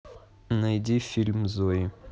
найди фильм зои